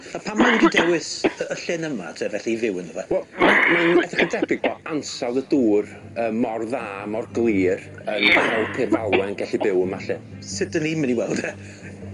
A pam mae wedi dewis yy y llyn yma te felly i fyw ynddo fe? Wel ma'n e- ma'n edrych yn debyg bo' ansawdd y dŵr yym mor dda mor glir yn help i'r falwen gellu byw yma 'lly. Sut 'dyn ni myn' i weld e?